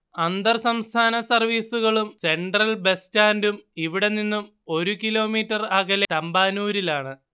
അന്തർസംസ്ഥാന സർവീസുകളും central bus സ്റ്റാൻഡും ഇവിടെനിന്ന് ഒരു കിലോമീറ്റർ അകലെ തമ്പാനൂരിലാണ്